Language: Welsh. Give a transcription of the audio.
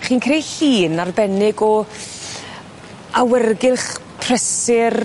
Chi'n creu llun arbennig o awyrgylch, prysur,